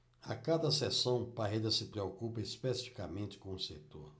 a cada sessão parreira se preocupa especificamente com um setor